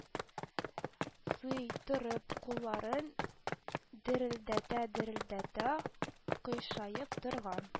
Зый, торып, кулларын дерелдәтә-дерелдәтә, кыйшаеп торган